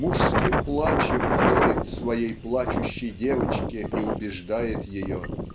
мужским плачем вторит своей плачущей девочке и убеждает ее